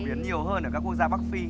biến nhiều hơn ở các quốc gia bắc phi